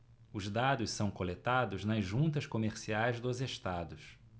os dados são coletados nas juntas comerciais dos estados